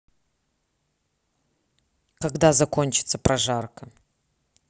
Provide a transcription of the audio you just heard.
когда закончится прожарка